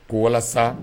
Ko walasa